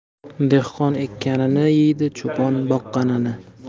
dehqon ekkanini yeydi cho'pon boqqanini